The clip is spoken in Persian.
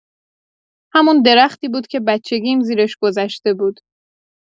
همون درختی بود که بچگی‌ام زیرش گذشته بود.